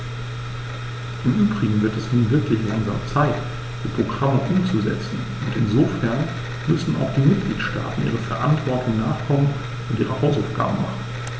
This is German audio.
Im übrigen wird es nun wirklich langsam Zeit, die Programme umzusetzen, und insofern müssen auch die Mitgliedstaaten ihrer Verantwortung nachkommen und ihre Hausaufgaben machen.